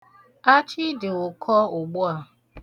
Achị dị ụkọ ugbu a.